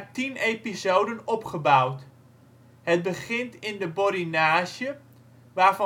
tien episoden opgebouwd: het begint in de Borinage, waar